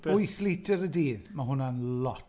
wyth litr y dydd, mae hwnna'n lot.